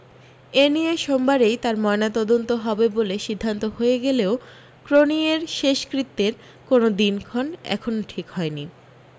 এ নিয়ে সোমবারেই তার ময়নাতদন্ত হবে বলে সিদ্ধান্ত হয়ে গেলেও ক্রোনিয়ের শেষকৃত্যের কোনও দিনক্ষণ এখনও ঠিক হয়নি